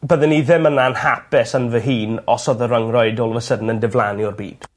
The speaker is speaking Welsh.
Byddwn i ddim yn anhapus yn fy hun os odd y ryngrwyd all of a sudden yn diflannu o'r byd.